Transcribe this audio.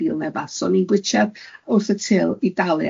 o mîl dîl ne' 'bath, so o'n i'n gwitsad wrth y tyl i dalu,